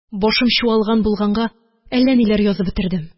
Башым чуалган булганга, әллә ниләр язып бетердем